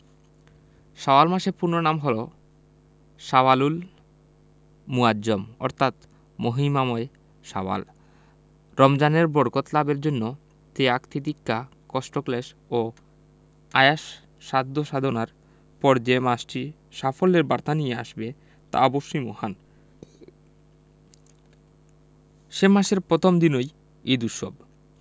শাওয়াল মাসের পূর্ণ নাম হলো শাওয়ালুল মুআজ্জম অর্থাৎ মহিমাময় শাওয়াল রমজানের বরকত লাভের জন্য ত্যাগ তিতিক্ষা কষ্টক্লেশ ও আয়াস সাধ্য সাধনার পর যে মাসটি সাফল্যের বার্তা নিয়ে আসবে তা অবশ্যই মহান সে মাসের পথম দিনই ঈদ উৎসব